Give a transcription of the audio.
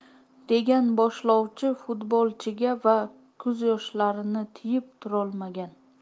degan boshlovchi futbolchiga va ko'zyoshlarini tiyib turolmagan